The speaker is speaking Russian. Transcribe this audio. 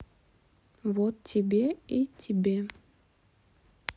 вот тебе и тебе